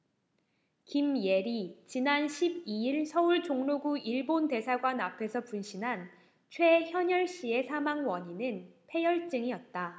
김예리 지난 십 이 일 서울 종로구 일본대사관 앞에서 분신한 최현열씨의 사망 원인은 패혈증이었다